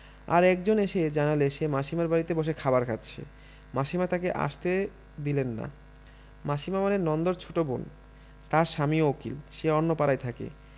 আর একজন এসে জানালে সে মাসীমার বাড়িতে বসে খাবার খাচ্ছে মাসীমা তাকে আসতে দিলেন নামাসিমা মানে নন্দর ছোট বোন তার স্বামীও উকিল সে অন্য পাড়ায় থাকে